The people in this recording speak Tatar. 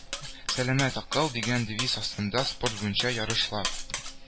Сәламәт акыл» дигән девиз астында спорт буенча ярышлар